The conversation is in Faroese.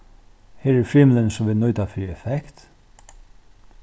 her er frymilin sum vit nýta fyri effekt